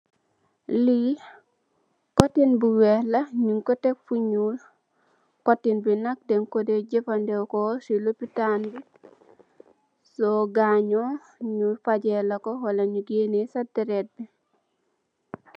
Li kotton bu wèèx la ñing ko tèk fu ñuul, kotton bi nak deñ ko dee jafandiko ci lopitan bi so gañoo ñi fajee la ko wala ñi gèneh sa deret bi.